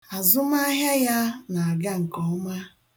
Azụmahịa ya na-aga nke ọma.